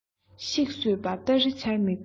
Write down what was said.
ཤིག གསོད པར སྟ རེ འཕྱར མི དགོས